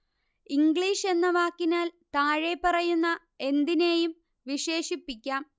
English എന്ന വാക്കിനാൽ താഴെപ്പറയുന്ന എന്തിനേയും വിശേഷിപ്പിക്കാം